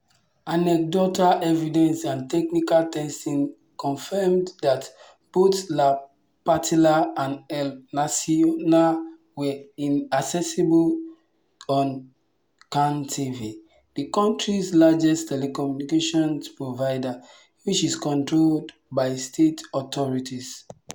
Anecdotal evidence and technical testing confirmed that both La Patilla and El Nacional were inaccessible on CANTV, the country’s largest telecommunications provider, which is controlled by state authorities.